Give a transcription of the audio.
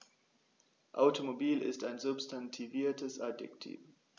Automobil ist ein substantiviertes Adjektiv.